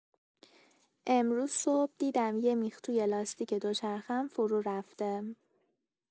امروز صبح دیدم یه میخ توی لاستیک دوچرخه‌ام فرورفته.